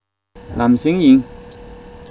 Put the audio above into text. ལམ སེང ཡིན